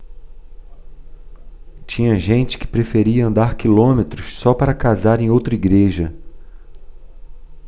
tinha gente que preferia andar quilômetros só para casar em outra igreja